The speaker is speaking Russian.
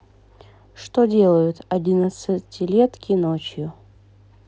что делают одиннадцатилетки ночью